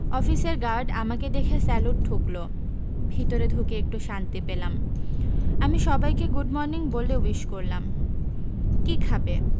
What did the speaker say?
অফিসের গার্ড আমাকে দেখে স্যালুট ঠুকলো ভিতরে ঢুকে একটু শান্তি পেলাম আমি সবাই কে গুড মর্নিং বলে উইস করলাম কী খাবে